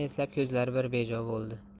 eslab ko'zlari bir bejo bo'ldi